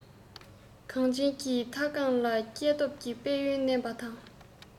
གངས ཅན གྱི མཐོ སྒང ལ སྐྱེ སྟོབས ཀྱི དཔལ ཡོན བསྣན པ དང